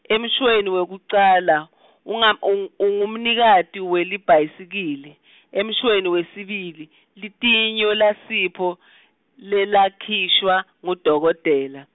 emshweni wekucala , ungumung-, ungumnikati welibhayisikili, emshweni wesibili, litinyo laSipho , lelakhishwa, ngudokodela.